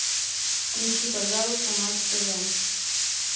включи пожалуйста матч тв